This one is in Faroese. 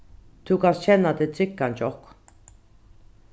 tú kanst kenna teg tryggan hjá okkum